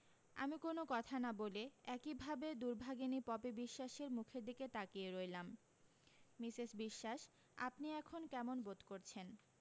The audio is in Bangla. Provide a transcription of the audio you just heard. আমি কোনো কথা না বলে একিভাবে দুর্ভাগিনী পপি বিশ্বাসের মুখের দিকে তাকিয়ে রইলাম মিসেস বিশ্বাস আপনি এখন কেমন বোধ করছেন